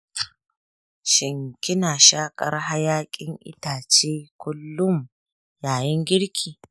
shin kina shakar hayakin itace kullum yayin girki?